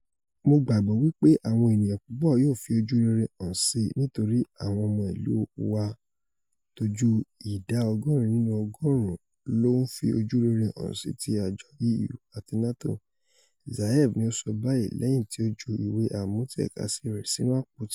Mo gbàgbọ́ wí pé àwọn ènìyàn pupọ̀ yóò fi ojú rere hàn síi nítorí àwọn ọmọ ìlú wa tóju ìdá ọgọ́rin nínú ọgọ́ọ̀rún lọ ńfi ojú rere hàn sí ti àjọ EU àti NATO,'' Zaev ni o sọ báyií lẹ́yìn tí o ju ìwé amútẹ̀kàsí rẹ̀ sínu àpótí.